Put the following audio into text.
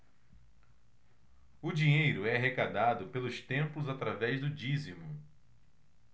o dinheiro é arrecadado pelos templos através do dízimo